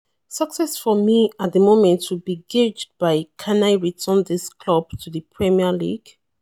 "Success for me at the moment will be gauged by 'can I return this club to the Premier League?'